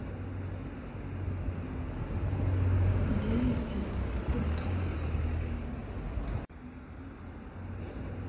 деятели культуры